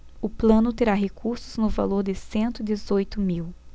o plano terá recursos no valor de cento e dezoito mil